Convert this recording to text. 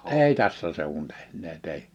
ei tässä seuduin tehneet ei